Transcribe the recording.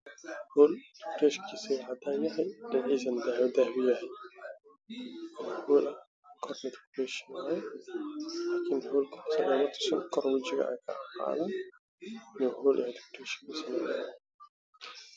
Meeshaan waxaa iga muuqda darbu qurux badan oo kaleerkiisa yahay caddaan iyo dahabi